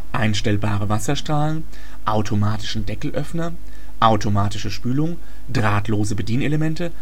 einstellbare Wasserstrahlen, automatischen Deckelöffner, automatische Spülung, drahtlose Bedienelemente